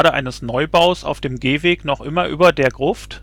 eines Neubaus auf dem Gehweg noch immer über der Gruft